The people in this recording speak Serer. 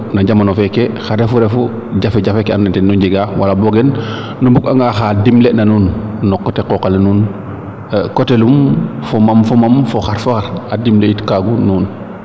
no camono feeke xa refu jafe jafe ke ando naye tenu njega wala bogen nu mbung anga xa dimle na nuun no coté qooxa le nuun coté lum fo mam fo mam fo xar fo xar a dimle it ka nuun